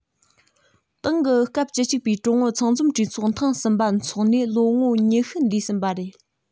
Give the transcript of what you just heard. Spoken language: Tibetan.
ཏང གི སྐབས བཅུ གཅིག པའི ཀྲུང ཨུ ཚང འཛོམས གྲོས ཚོགས ཐེངས གསུམ པ འཚོགས ནས ལོ ངོ ཉི ཤུ འདས ཟིན པ རེད